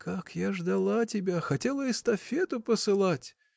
— Как я ждала тебя, хотела эстафету посылать!